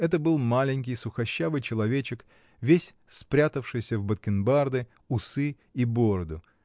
Это был маленький, сухощавый человечек, весь спрятавшийся в бакенбарды, усы и бороду.